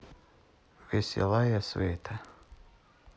веселая света